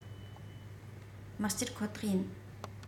མི གཅར ཁོ ཐག ཡིན